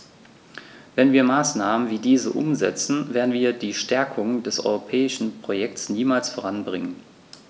Wenn wir Maßnahmen wie diese umsetzen, werden wir die Stärkung des europäischen Projekts niemals voranbringen.